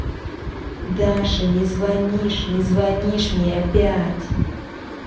даша не звонишь не звонишь мне опять